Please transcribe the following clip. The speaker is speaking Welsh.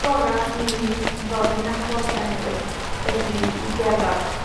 gora' i ddod i nabod lle newydd ydi i gerdded.